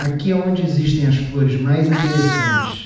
aqui é onde existem as flores mais interessantes